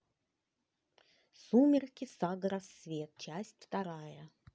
сумерки сага рассвет часть вторая